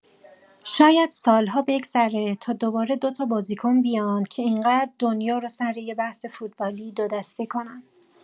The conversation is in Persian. شاید سال‌ها بگذره تا دوباره دوتا بازیکن بیان که این‌قدر دنیا رو سر یه بحث فوتبالی دو دسته کنن.